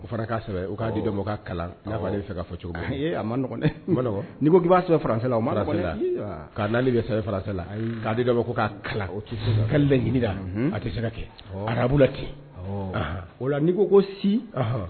O fana k'a sɛbɛn o k'a di dɔ ma o k'a kalan i n'a fɔ ale be fɛ k'a fɔ cogo min ee a man nɔgɔn dɛ a man nɔgɔn n'i ko k'i b'a sɛbɛn français la o man nɔgɔn dɛ ii aa k'a 4 bɛ sɛbɛn français la ayiii k'a di dɔ ma k'o k'a kalan o tise k'a k'a laɲini da unhun a te se ka kɛ arabu la ten awɔɔ anhan o la n'i ko ko si ɔnhɔn